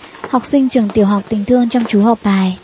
học sinh trường tiểu học tình thương chăm chú học bài